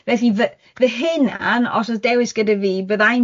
felly fy- fy hunan, os o'dd dewis gyda fi, bydda i'n